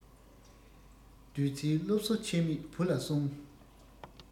བདུད རྩིའི སློབ གསོ ཆད མེད བུ ལ གསུང